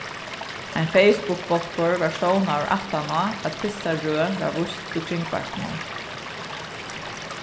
ein facebookbólkur varð stovnaður aftaná at fyrsta røð var víst í kringvarpinum